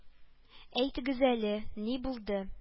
Әйтегез әле, ни булды